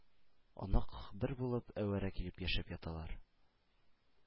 Онык, бер булып, әвәрә килеп яшәп яталар.